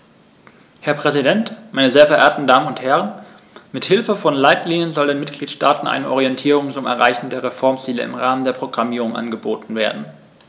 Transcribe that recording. Herr Präsident, meine sehr verehrten Damen und Herren, mit Hilfe von Leitlinien soll den Mitgliedstaaten eine Orientierung zum Erreichen der Reformziele im Rahmen der Programmierung angeboten werden.